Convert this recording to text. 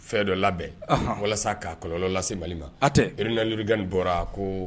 Fɛn dɔ labɛn walasa k ka kɔlɔnlɔ lase mali ma a tɛ rina dni bɔra ko